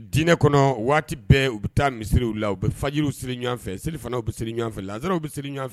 Diinɛ kɔnɔ waati bɛɛ u bɛ taa misiriw la u bɛ fajw siri ɲɔgɔnfɛ selifanaw bɛsiri ɲɔgɔnfɛ la sw bɛ sirisiri ɲɔgɔnfɛ